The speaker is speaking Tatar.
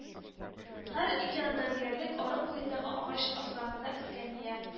Һәр өй янында диярлек арык буендагы агач асларында эскәмия